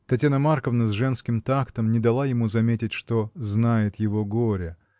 Татьяна Марковна, с женским тактом, не дала ему заметить, что знает его горе.